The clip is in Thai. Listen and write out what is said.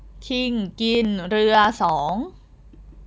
คิงกินเรือสอง